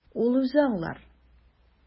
Ул үзе аңлар.